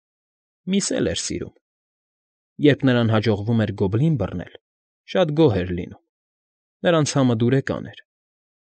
Միս էլ էր սիրում։ Երբ նրան հաջողվում էր գոբլին բռնել, շատ գոհ էր լինում. նրանց համը դուրեկան էր։